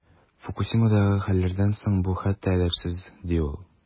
Фукусимадагы хәлләрдән соң бу хәтта әдәпсез, ди ул.